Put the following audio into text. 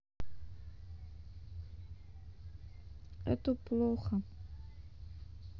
а то плохо